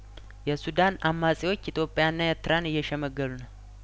የሱዳን አማጺዎች ኢትዮጵያና ኤትራን እየሸ መገሉ ነው